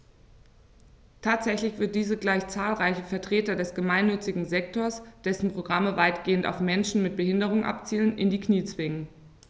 Tatsächlich wird dies gleich zahlreiche Vertreter des gemeinnützigen Sektors - dessen Programme weitgehend auf Menschen mit Behinderung abzielen - in die Knie zwingen.